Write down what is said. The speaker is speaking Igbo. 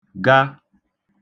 ga